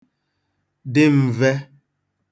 dị m̄vē